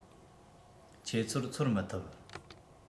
ཁྱེད ཚོར ཚོར མི ཐུབ